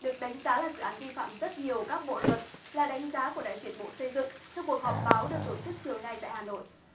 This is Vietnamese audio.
được đánh giá là dự án vi phạm rất nhiều các bộ luật là đánh giá của đại diện bộ xây dựng trong cuộc họp báo được tổ chức chiều nay tại hà nội